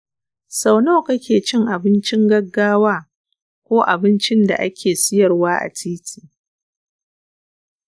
sau nawa kake cin abincin gaggawa ko abincin da ake siyarwa a titi?